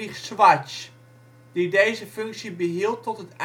Schwarz, die deze functie behield tot